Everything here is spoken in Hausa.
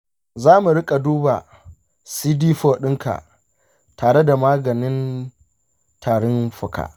za mu rika duba cd4 ɗinka tare da maganin tarin fuka.